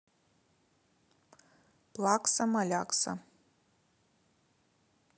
плакса малякса